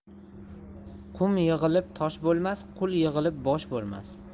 qum yig'ilib tosh bo'lmas qul yig'ilib bosh bo'lmas